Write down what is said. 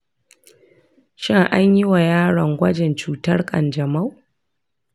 shin an yi wa yaron gwajin cutar ƙanjamau?